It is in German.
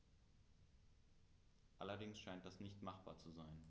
Allerdings scheint das nicht machbar zu sein.